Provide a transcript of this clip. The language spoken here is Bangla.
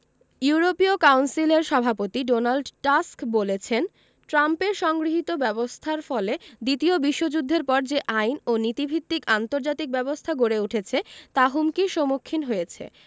ইউরোপীয় কাউন্সিলের সভাপতি ডোনাল্ড টাস্ক বলেছেন ট্রাম্পের গৃহীত ব্যবস্থার ফলে দ্বিতীয় বিশ্বযুদ্ধের পর যে আইন ও নীতিভিত্তিক আন্তর্জাতিক ব্যবস্থা গড়ে উঠেছে তা হুমকির সম্মুখীন হয়েছে